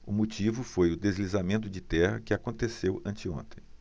o motivo foi o deslizamento de terra que aconteceu anteontem